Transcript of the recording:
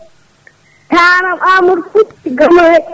taanam Amadou * Galoya